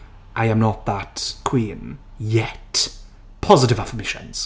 I am not that queen yet. Positive affirmations!